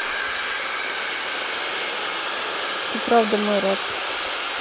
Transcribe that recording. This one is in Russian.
ты правда мой раб